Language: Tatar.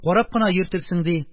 Карап кына йөртерсең, - ди.